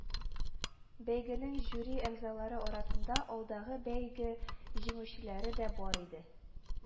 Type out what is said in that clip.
Бәйгенең жюри әгъзалары арасында алдагы бәйге җиңүчеләре дә бар иде